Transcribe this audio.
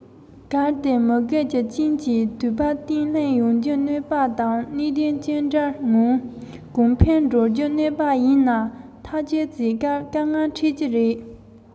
གལ ཏེ གནད དོན འདྲ ཡོད ན ངས ཟུར ནས རོགས རམ བྱས ཆོག